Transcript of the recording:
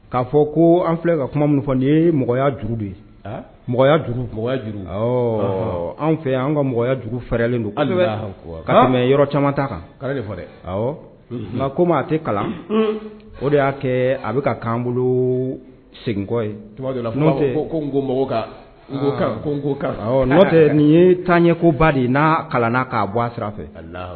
K'a fɔ ko an filɛ ka kuma min fɔ nin ye mɔgɔya juru ye mɔgɔya an fɛ an kaya juru faralen don yɔrɔ caman ta kan dɛ nka ko maa a tɛ kalan o de y'a kɛ a bɛ ka'an seginkɔ ye nin ye taa ɲɛ koba de ye n'a kalan'a bɔ a sira fɛ